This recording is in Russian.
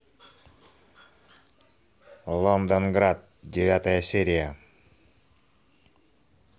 лондонград девятая серия